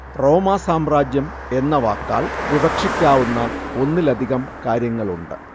റോമാ സാമ്രാജ്യം എന്ന വാക്കാല്‍ വിവക്ഷിക്കാവുന്ന ഒന്നിലധികം കാര്യങ്ങളുണ്ട്